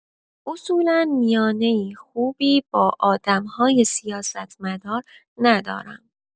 اصولا میانه‌ای خوبی با آدم‌های سیاستمدار ندارم.